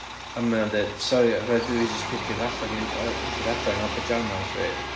a mae o'n deud "sori o' raid i fi jyst piciiad allan i yy piciad adra i nôl pyjamas fi"